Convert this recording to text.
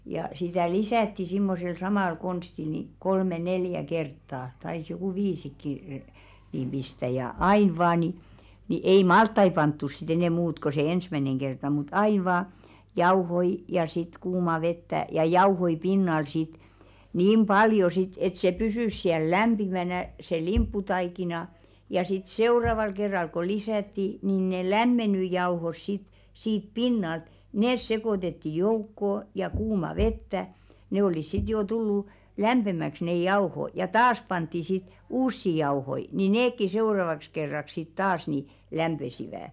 ja sitä lisättiin semmoisella samalla konstilla niin kolme neljä kertaa taisi joku viisikin niin pistää ja aina vain niin niin ei - maltaita pantu sitten enää muuta kuin se ensimmäinen kerta mutta aina vain jauhoja ja sitten kuumaa vettä ja jauhoja pinnalle sitten niin paljon sitten että se pysyi siellä lämpimänä se limpputaikina ja sitten seuraavalla kerralla kun lisättiin niin ne lämmennyt jauhot sitten siitä pinnalta ne sekoitettiin joukkoon ja kuumaa vettä ne olivat sitten jo tullut lämpimäksi ne jauhot ja taas pantiin sitten uusia jauhoja niin nekin seuraavaksi kerraksi sitten taas niin lämpisivät